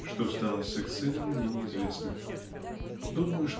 Что сталось с их сыном, мне неизвестно. Думаю